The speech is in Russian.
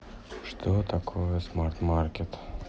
что такое смарт маркет